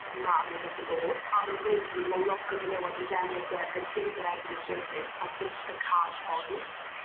ma' rywbeth yn bod a o'dd e'n gweud wrtho fi ma' lot o fenywod yn delio 'dy yn byw gyda endometriosis a jyst yn ca'l poen